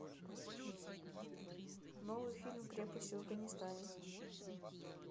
новый фильм крепость в афганистане